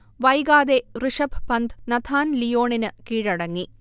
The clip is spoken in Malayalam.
വൈകാതെ ഋഷഭ് പന്ത് നഥാൻ ലിയോണിന് കീഴടങ്ങി